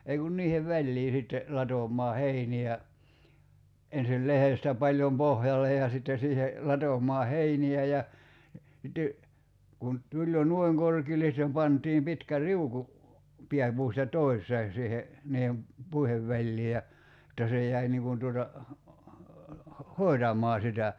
ei kun niiden väliin sitten latomaan heiniä ensin lehdestä paljon pohjalle ja sitten siihen latomaan heiniä ja sitten kun tuli jo noin korkealle sitten pantiin pitkä riuku pääpuusta toiseen siihen niiden puiden väliin ja jotta se jäi niin kuin tuota hoitamaan sitä